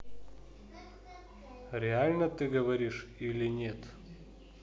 реально ты говоришь или нет